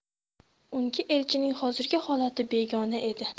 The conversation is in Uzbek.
unga elchinning hozirgi holati begona edi